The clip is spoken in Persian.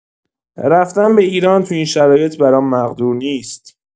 رفتن به ایران تو این شرایط برام مقدور نیست.